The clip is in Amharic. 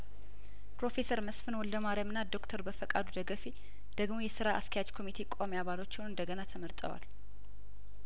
ፕሮፌሰር መስፍን ወልደማርያምና ዶክተር በፈቃዱ ደጉፌ ደግሞ የስራ አስኪያጅ ኮሚቴው ቋሚ አባሎች ሆነው እንደገና ተመርጠዋል